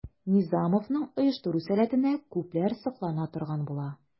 Низамовның оештыру сәләтенә күпләр соклана торган була.